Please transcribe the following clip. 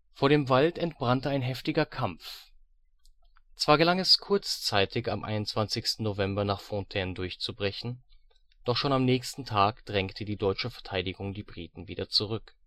Vor dem Wald entbrannte ein heftiger Kampf. Zwar gelang es kurzzeitig am 21. November nach Fontaine durchzubrechen, doch schon am nächsten Tag drängte die deutsche Verteidigung die Briten wieder zurück